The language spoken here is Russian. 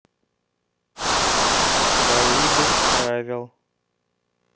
бои без правил